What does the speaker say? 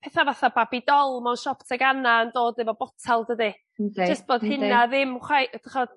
petha fath a babi dol mewn siop tegana yn dod efo botel dydi? Yndi... Jyst bod hynna ddim chwei- yy d'chod